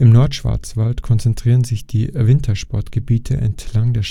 Nordschwarzwald konzentrieren sich die Wintersportgebiete entlang der